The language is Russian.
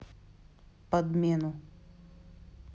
подмену